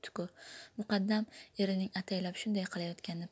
muqaddam erining ataylab shunday qilayotganini